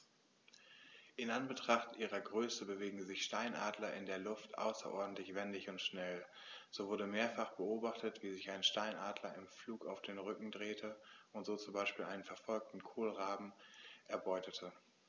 In Anbetracht ihrer Größe bewegen sich Steinadler in der Luft außerordentlich wendig und schnell, so wurde mehrfach beobachtet, wie sich ein Steinadler im Flug auf den Rücken drehte und so zum Beispiel einen verfolgenden Kolkraben erbeutete.